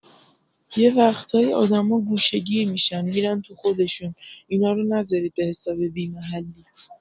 یه وقتایی آدما گوشه‌گیر می‌شن می‌رن تو خودشون، اینا رو نذارید به‌حساب بی‌محلی!